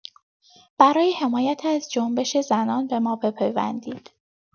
برای حمایت از جنبش زنان به ما بپیوندید.